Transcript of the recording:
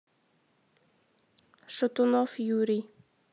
шатунов юрий